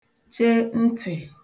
che ntị̀